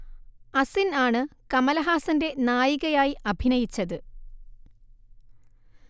അസിൻ ആണ് കമലഹാസന്റെ നായികയായി അഭിനയിച്ചത്